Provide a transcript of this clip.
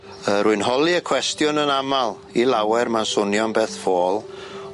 Yy rwy'n holi y cwestiwn yn amal i lawer ma'n swnio'n beth ffôl.